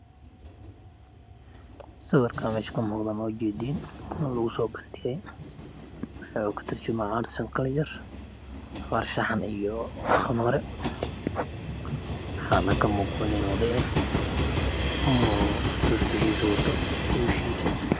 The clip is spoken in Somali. Sawirkaan meeqsha ka muuqda ama aad u jeediin oo lagu soo bandhigay wuxuu ka turjumaa arts culture farshaxan iyo samoore. waxaana ka muuqda nin oday ah oo tusbaxiisa wado